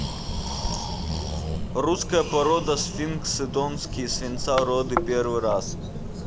русская порода сфинксы донские свинца роды первый раз